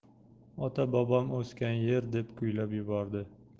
ota bobom o'sgan yer deb kuylab yubordi